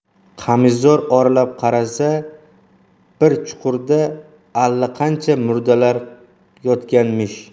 qamishzor oralab qarasa bir chuqurda allaqancha murdalar yotganmish